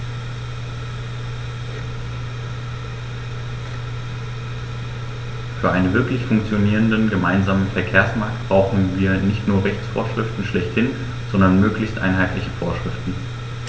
Für einen wirklich funktionierenden gemeinsamen Verkehrsmarkt brauchen wir nicht nur Rechtsvorschriften schlechthin, sondern möglichst einheitliche Vorschriften.